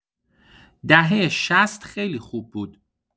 دهه شصت خیلی خوب بود.